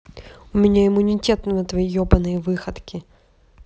у меня иммунитет на твои ебаные выходки